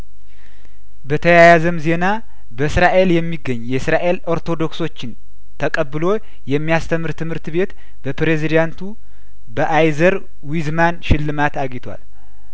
በተያያዘም ዜና በእስራኤል የሚገኝ የእስራኤል ኦርቶዶክ ሶችን ተቀብሎ የሚያስተምር ትምህርት ቤት በፕሬዝዳንቱ በአይዘር ዊዝ ማን ሽልማት አግኝቷል